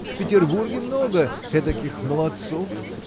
В Петербурге много этаких молодцов.